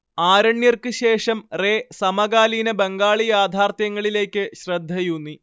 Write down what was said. ആരണ്യർക്ക് ശേഷം റേ സമകാലീന ബംഗാളി യാഥാർത്ഥ്യങ്ങളിലേയ്ക്ക് ശ്രദ്ധയൂന്നി